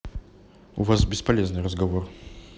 у вас бесполезный разговор